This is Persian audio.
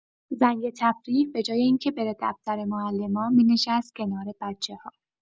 زنگ تفریح، به‌جای این که بره دفتر معلما، می‌نشست کنار بچه‌ها.